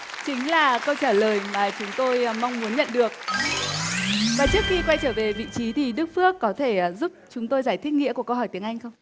chính là câu trả lời mà chúng tôi mong muốn nhận được và trước khi quay trở về vị trí thì đức phước có thể giúp chúng tôi giải thích nghĩa của câu hỏi tiếng anh không